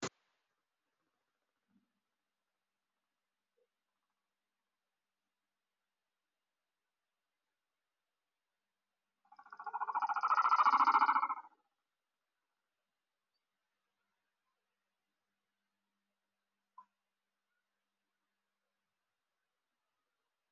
Halkaan waxaa ka muuqdo saxan cadaan ah waxaana ku qudaar cagaar ah uguna ay ku dhex jirto